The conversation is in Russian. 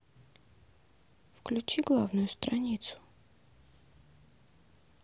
включи главную страницу